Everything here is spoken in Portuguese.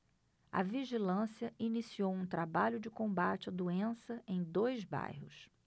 a vigilância iniciou um trabalho de combate à doença em dois bairros